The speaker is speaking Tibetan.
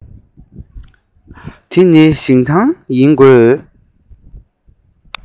འདི ནི ཞིང ཐང ཡིན དགོས